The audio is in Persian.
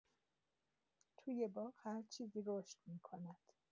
توی باغ، هر چیزی رشد می‌کند